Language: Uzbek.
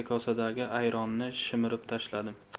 kosadagi ayronni shimirib tashladim